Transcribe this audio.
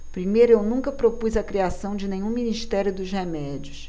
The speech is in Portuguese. primeiro eu nunca propus a criação de nenhum ministério dos remédios